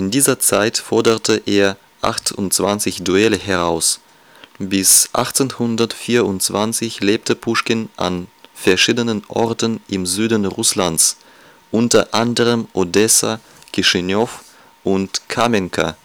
dieser Zeit forderte er 28 Duelle heraus. Bis 1824 lebte Puschkin an verschiedenen Orten im Süden Russlands, u.a. Odessa, Chişinău und Kamjanka